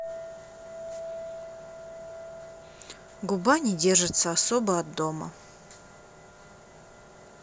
губа не держится особо от дома